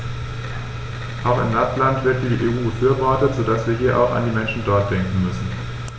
Auch in Lappland wird die EU befürwortet, so dass wir hier auch an die Menschen dort denken müssen.